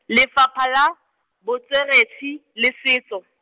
Lefapha la, Botsweretshi le Setso.